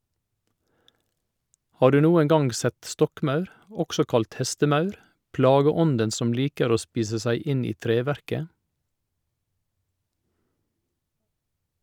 Har du noen gang sett stokkmaur, også kalt hestemaur, plageånden som liker å spise seg inn i treverket?